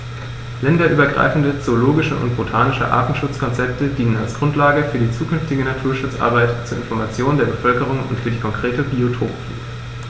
Länderübergreifende zoologische und botanische Artenschutzkonzepte dienen als Grundlage für die zukünftige Naturschutzarbeit, zur Information der Bevölkerung und für die konkrete Biotoppflege.